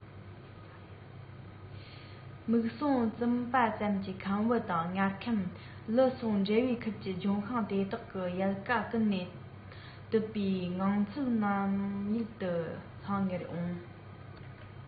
མིག ཟུང བཙུམས པ ཙམ གྱིས ཁམ བུ དང མངར ཁམ ལི སོགས འབྲས བུའི ཁུར གྱིས ལྗོན ཤིང དེ དག གི ཡལ ག ཀུན ནས དུད པའི ངང ཚུལ སྣང ཡུལ དུ ལྷང ངེར འོང